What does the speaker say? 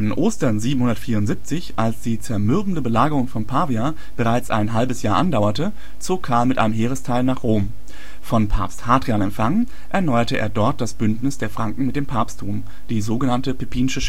Ostern 774, als die zermürbende Belagerung von Pavia bereits ein halbes Jahr andauerte, zog Karl mit einem Heeresteil nach Rom. Von Papst Hadrian empfangen, erneuerte er dort das Bündnis der Franken mit dem Papsttum, die sog. „ Pippinische Schenkung